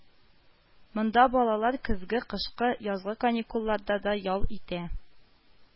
Монда балалар көзге, кышкы, язгы каникулларда да ял итә